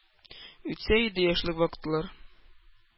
Үтсә иде яшьлек вакытлар.